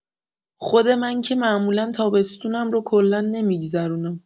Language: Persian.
خود من که معمولا تابستونم رو کلا نمی‌گذرونم.